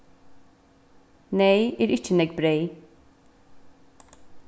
neyð er ikki nógv breyð